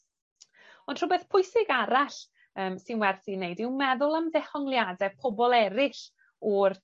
Ond rhwbeth pwysig arall yym sy'n werth 'i neud yw meddwl am dehongliade pobol eryll o'r